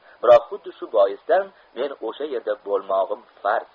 biroq xuddi shu boisdan men o'sha yerda bo'lmog'im farz